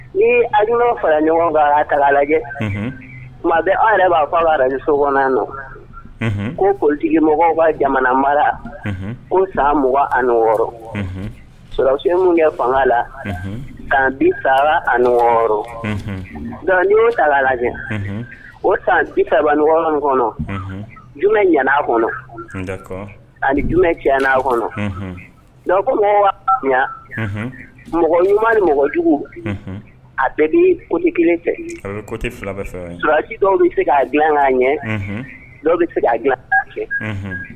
Ni a dun fara ɲɔgɔn kala lajɛ maa bɛ aw yɛrɛ b'a fɔ faraso kɔnɔ nɔ ko ptigimɔgɔ ka jamana mara o san mɔgɔ ani nɔgɔ wɔɔrɔ surakasi kɛ fanga la san bi sara ani nka o lajɛ o san bisaban nɔgɔɔgɔ kɔnɔ jumɛn ɲ kɔnɔ ani jumɛn cɛana kɔnɔ ko waati mɔgɔ ɲuman ni mɔgɔjugu a bɛɛ bɛ p kelen fɛ su dɔw bɛ se k a dila k' ɲɛ dɔw bɛ dila